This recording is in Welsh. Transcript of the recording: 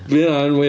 Mae hynna yn weird.